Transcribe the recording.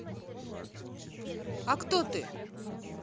а кто ты